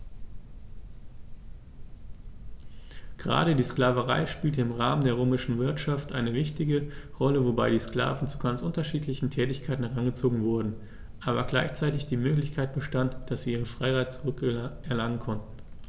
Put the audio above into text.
Gerade die Sklaverei spielte im Rahmen der römischen Wirtschaft eine wichtige Rolle, wobei die Sklaven zu ganz unterschiedlichen Tätigkeiten herangezogen wurden, aber gleichzeitig die Möglichkeit bestand, dass sie ihre Freiheit zurück erlangen konnten.